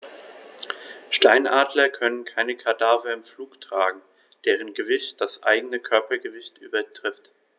Steinadler können keine Kadaver im Flug tragen, deren Gewicht das eigene Körpergewicht übertrifft.